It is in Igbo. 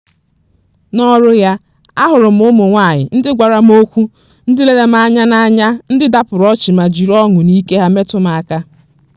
N’ọrụ ya, ahụrụ m ụmụnwaanyị ndị gwara m okwu, ndị lere m anya n’anya, ndị dapụrụ ọchị ma jiri ọṅụ na ike ha metụ m aka.